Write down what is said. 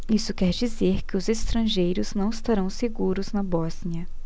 isso quer dizer que os estrangeiros não estarão seguros na bósnia